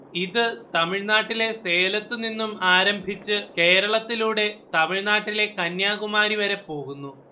ഇത് തമിഴ്നാട്ടിലെ സേലത്തുനിന്നും ആരംഭിച്ച് കേരളത്തിലൂടെ തമിഴ്നാട്ടിലെ കന്യാകുമാരി വരെ പോകുന്നു